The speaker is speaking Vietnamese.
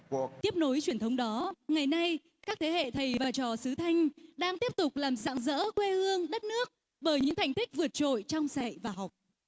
tiếp nối truyền thống đó ngày nay các thế hệ thầy và trò xứ thanh đang tiếp tục làm rạng rỡ quê hương đất nước bởi những thành tích vượt trội trong dạy và học